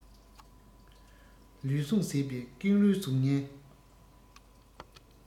ལུས ཟུངས ཟད པའི ཀེང རུས གཟུགས བརྙན